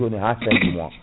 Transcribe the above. joni ha fin du mois